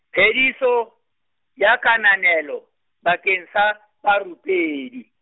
phediso, ya kananelo, bakeng sa, barupedi.